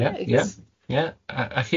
Ie. Reit. Ie ie a- a chi?